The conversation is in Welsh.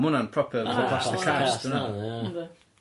Ma' wnna'n proper sort of plaster cast . Yndi.